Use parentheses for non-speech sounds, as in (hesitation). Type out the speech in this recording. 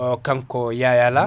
(hesitation) kanko Yaya La